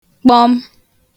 kpọm